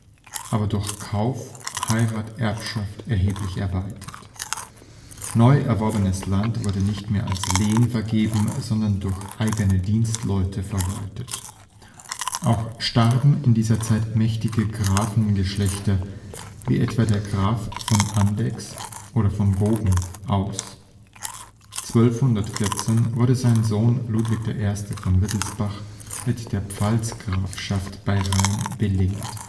aber durch Kauf, Heirat, Erbschaft erheblich erweitert. Neu erworbenes Land wurde nicht mehr als Lehen vergeben, sondern durch eigene Dienstleute verwaltet. Auch starben in dieser Zeit mächtige Grafengeschlechter, wie die der Grafen von Andechs und von Bogen aus. 1214 wurde sein Sohn Ludwig I. von Wittelsbach mit der Pfalzgrafschaft bei Rhein belehnt